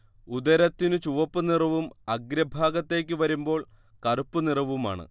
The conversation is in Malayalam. ഉദരത്തിനു ചുവപ്പ് നിറവും അഗ്രഭാഗത്തേക്ക് വരുമ്പോൾ കറുപ്പു നിറവുമാണ്